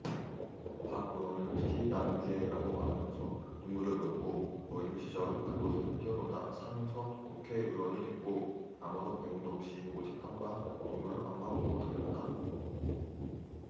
박 의원은 특히 남양주에 라고 말하면서 눈물을 보였고 어린 시절 그곳에서 뛰어놀다 삼 선 국회의원이 됐고 아무런 배경도 없이 오직 땀과 눈물로 앞만 보고 달렸다